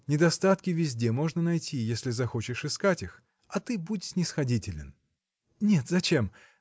Недостатки везде можно найти, если захочешь искать их. А ты будь снисходителен. – Нет, зачем?